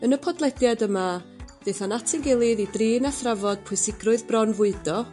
Yn y podlediad yma daethon at ein gilydd i drin a thrafod pwysigrwydd bronfwydo